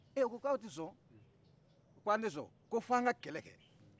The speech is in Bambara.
ɛ u ko kaw tɛ sɔn kan tɛ sɔn ko f'an ka kɛlɛkɛ